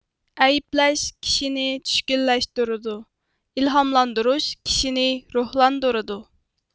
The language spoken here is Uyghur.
ئەيىبلەش كىشىنى چۈشكۈنلەشتۈرىدۇ ئىلھاملاندۇرۇش كىشىنى روھلاندۇرىدۇ